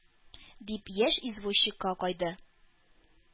- дип, яшь извозчикка акайды.